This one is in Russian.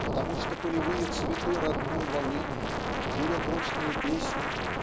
потому что полевые цветы родной Волыни ее грустные песни